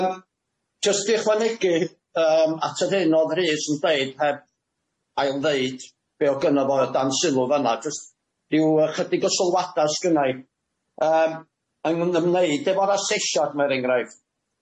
yym jyst i ychwanegu yym at yr hyn o'dd Rhys yn deud heb ail ddeud be' o' gynno fo o dan sylw fan'na jyst ryw yy chydig o sylwada sgynnai yym yng ng- ymwneud efo'r asesiad ma' er enghraifft